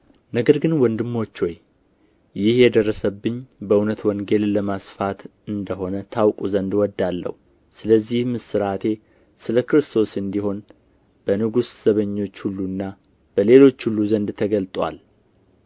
ነገር ግን ወንድሞች ሆይ ይህ የደረሰብኝ በእውነት ወንጌልን ለማስፋት እንደ ሆነ ታውቁ ዘንድ እወዳለሁ ስለዚህም እስራቴ ስለ ክርስቶስ እንዲሆን በንጉሥ ዘበኞች ሁሉና በሌሎች ሁሉ ዘንድ ተገልጦአል